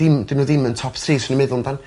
dim 'dyn n'w ddim yn top three swn i'n meddwl am dan.